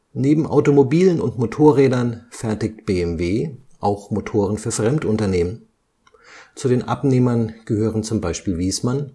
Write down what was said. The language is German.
Neben Automobilen und Motorrädern fertigt BMW auch Motoren für Fremdunternehmen. Zu den Abnehmern gehören z. B. Wiesmann